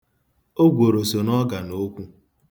Ogworo so n'ọgan okwu.